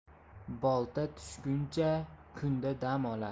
bolta tushguncha kunda dam olar